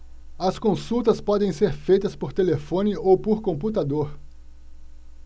as consultas podem ser feitas por telefone ou por computador